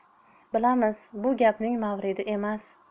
bilamiz bu gapning mavridi emas